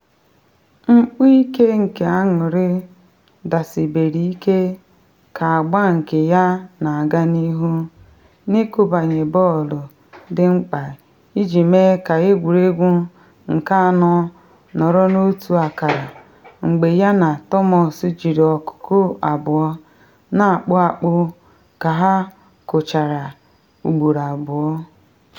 Mkpu ike nke anurị dasibere ike ka agba nke ya na-aga n’ihu, n’ịkụbanye bọọlụ dị mkpa iji mee ka egwuregwu nke anọ nọrọ n’otu akara mgbe ya na Thomas jiri ọkụkụ abụọ ‘na-akpụ akpụ ka ha kụchara ugboro abụọ.